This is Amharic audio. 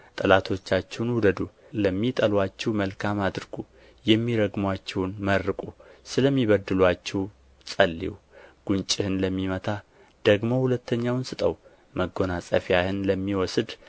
ጠላቶቻችሁን ውደዱ ለሚጠሉአችሁ መልካም አድርጉ የሚረግሙአችሁንም መርቁ ስለሚበድሉአችሁም ጸልዩ ጕንጭህን ለሚመታህ ደግሞ ሁለተኛውን ስጠው መጐናጸፊያህንም ለሚወስድ